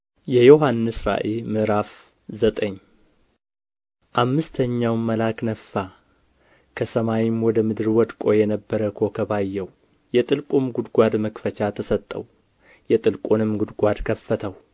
የዮሐንስ ራእይ ምዕራፍ ዘጠኝ አምስተኛውም መልአክ ነፋ ከሰማይም ወደ ምድር ወድቆ የነበረ ኮከብ አየሁ የጥልቁም ጕድጓድ መክፈቻ ተሰጠው የጥልቁንም ጕድጓድ ከፈተው